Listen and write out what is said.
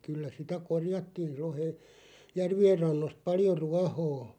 kyllä sitä korjattiin - järvien rannoista paljon ruohoa